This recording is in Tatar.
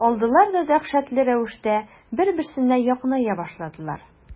Алдылар да дәһшәтле рәвештә бер-берсенә якыная башладылар.